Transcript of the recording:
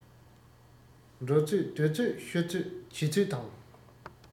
འགྲོ ཚོད སྡོད ཚོད ཤོད ཚོད བྱེད ཚོད དང